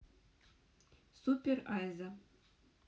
супер айза